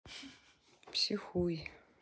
психуй